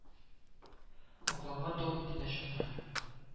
Акланга, тау битенә чакыра